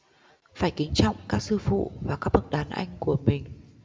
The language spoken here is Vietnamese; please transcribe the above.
phải kính trọng các sư phụ và các bậc đàn anh của mình